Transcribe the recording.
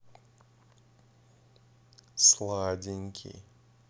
сладенький